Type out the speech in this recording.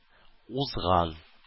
Узган